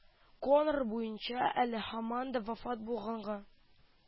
Коннар буенча, әле һаман да вафат булганга